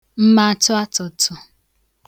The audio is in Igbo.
mmatụatụtụ̀